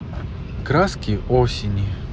краски осени